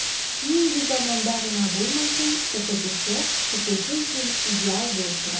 Нинди заманда гына булмасын, укытучы укучы өчен идеал булып тора.